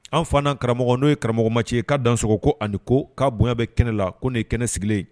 An fana karamɔgɔ n'o ye karamɔgɔ ma cɛ ye k'a dan sogoɔgɔko ani ko k'a bonya bɛ kɛnɛ la ko nin ye kɛnɛ sigilen